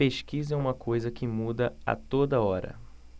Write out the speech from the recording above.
pesquisa é uma coisa que muda a toda hora